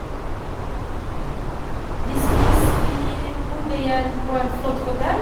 vi spis Vi bodde i en på en flott hotell.